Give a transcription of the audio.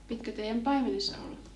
pitikö teidän paimenessa olla